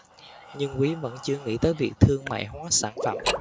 nhưng quý vẫn chưa nghĩ tới việc thương mại hóa sản phẩm